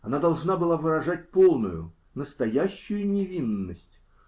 Она должна была выражать полную, настоящую невинность.